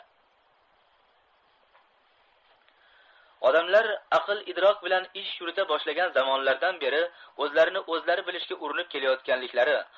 odamlar aql idrok bilan ish yurita boshlagan zamonlardan beri o'zlarini o'zlari bilishga urinib kelayotganliklari